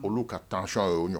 Olu ka taayanɔn y'o nɔ